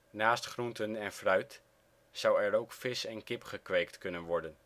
Naast groenten en fruit, zou er ook vis en kip gekweekt kunnen worden